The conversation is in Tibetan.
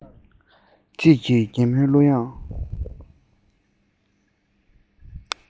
དཔྱིད ཀྱི རྒྱལ མོའི གླུ དབྱངས